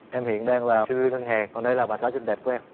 em hiện đang là chuyên viên ngân hàng còn đây là bà xã xinh đẹp của em